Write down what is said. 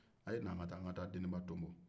aw ye n'an ka taa an ka taa deniba tonbo